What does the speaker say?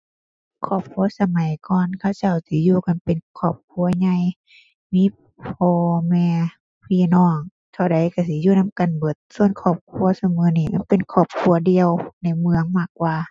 ครอบครัวสมัยก่อนเขาเจ้าสิอยู่กันเป็นครอบครัวใหญ่ มีพ่อแม่พี่น้องเท่าใดก็สิอยู่นำกันเบิด ส่วนครอบครัวซุมื้อนี้มันเป็นครอบครัวเดี่ยวในเมืองมากกว่า ⁠